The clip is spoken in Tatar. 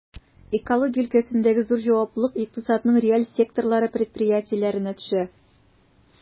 Экология өлкәсендәге зур җаваплылык икътисадның реаль секторлары предприятиеләренә төшә.